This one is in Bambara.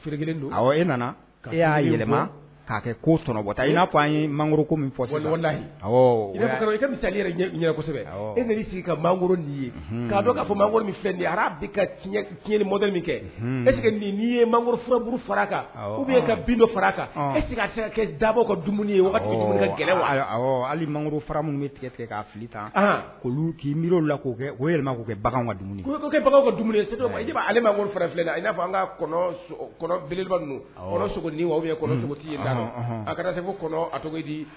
Tiɲɛni yemuru fara kan u bɛ ka bindo fara kan e dabɔ ka dumuni yemuru fara minnu tigɛ tigɛ k' ta k'i miriw la k' kɛ o' kɛ bagan bagan ka dumuni b'aale ma fara'a kaele a